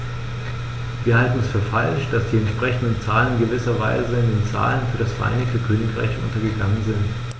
Wir halten es für falsch, dass die entsprechenden Zahlen in gewisser Weise in den Zahlen für das Vereinigte Königreich untergegangen sind.